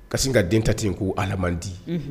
Ka kasisi ka den ta ten yen ko ala man di